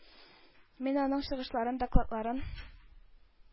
Мин аның чыгышларын, докладларын,